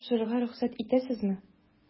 Тапшырырга рөхсәт итәсезме? ..